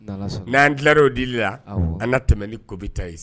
N' anan dilan'o deli la an ka tɛmɛ ni kobita ye